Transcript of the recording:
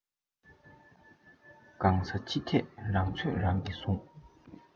གང ས ཅི ཐད རང ཚོད རང གིས ཟུང